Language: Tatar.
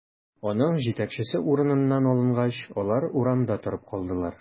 Аның җитәкчесе урыныннан алынгач, алар урамда торып калдылар.